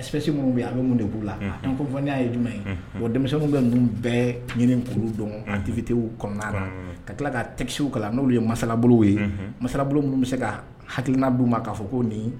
Minnu mun de b'u la ko n y'a ye jumɛn ye bon denmisɛnw bɛ ninnu bɛɛ ɲinin kuru dɔn dibitew kɔnɔna ka tila ka tɛsiw kalan n' ye masalabolo ye masabolo minnu bɛ se ka hakiliina ma k'a fɔ ko nin